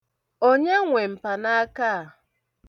Onye nwe mpanaaka a?